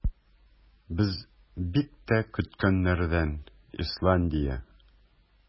Без бик тә көткәннәрдән - Исландия.